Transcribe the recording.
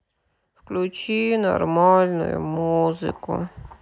включи нормальную музыку